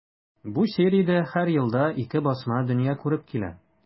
Бу сериядә һәр елда ике басма дөнья күреп килә.